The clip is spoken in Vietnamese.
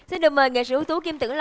xin được mời nghệ sĩ ưu tú kim tử long